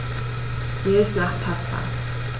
Mir ist nach Pasta.